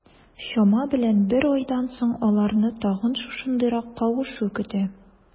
Чама белән бер айдан соң, аларны тагын шушындыйрак кавышу көтә.